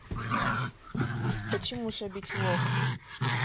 почему шабить лох